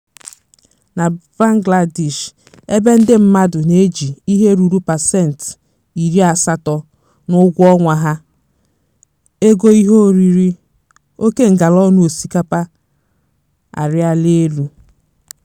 Na Bangladesh, ébé ndị mmadụ na-eji ihe ruru paseniti iri asatọ (80%) n'ụgwọ ọnwa ha ego ihe oriri, oke ngalaọnụ osikapa arịala elu.